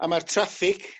a ma'r traffig